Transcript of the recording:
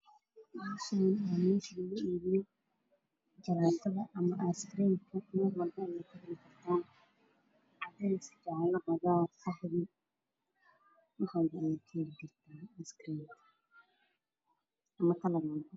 Waa kushiin waxaa yaal sacmay waxaa ku jiro hili jigjiga badanyihiin